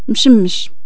مشمش